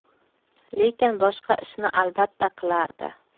lekin boshqa ishni albatta qilardi